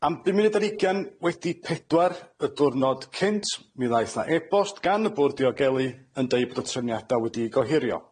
Am bum munud ar hugian wedi pedwar y dwrnod cynt mi ddaeth 'na e-bost gan y Bwrdd Diogelu yn deud bod y trefniada wedi'u gohirio.